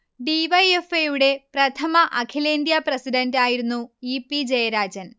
D. Y. F. I. യുടെ പ്രഥമ അഖിലേന്ത്യാ പ്രസിഡണ്ട് ആയിരുന്നു ഇ. പി. ജയരാജൻ